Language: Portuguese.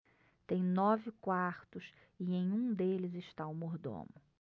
tem nove quartos e em um deles está o mordomo